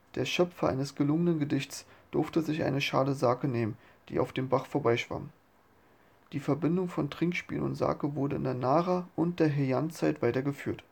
Der Schöpfer eines gelungenen Gedichts durfte sich eine Schale Sake nehmen, die auf dem Bach vorbeischwamm. Die Verbindung von Trinkspielen und Sake wurde in der Nara - und der Heian-Zeit weitergeführt